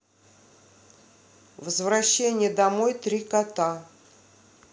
возвращение домой три кота